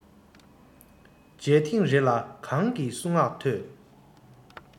མཇལ ཐེངས རེ ལ གང གི གསུང ངག ཐོས